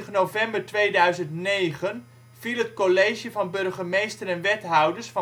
november 2009 viel het college van burgemeester en wethouders